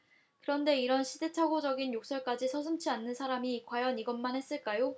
그런데 이런 시대착오적인 욕설까지 서슴지 않는 사람이 과연 이것만 했을까요